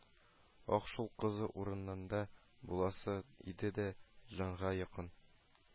Ах, шул кыз урынында буласы иде дә, җанга якын